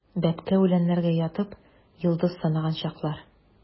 Бәбкә үләннәргә ятып, йолдыз санаган чаклар.